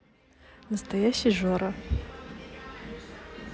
настоящий жора